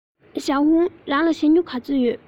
ཞའོ ཧུང རང ལ ཞྭ སྨྱུག ག ཚོད ཡོད